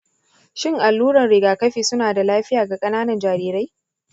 shin alluran rigakafi suna da lafiya ga ƙananan jarirai?